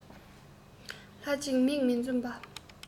ལྷ ཅིག མིག མི འཛུམ པ